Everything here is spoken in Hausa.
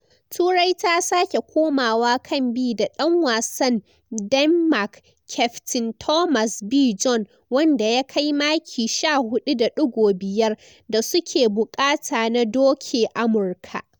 Turai ta sake komawa kambi da dan wasan Denmark kyaftin Thomas Bjorn wanda ya kai maki 14.5 da suke buƙata na doke Amurka.